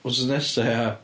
Wsos nesa ia.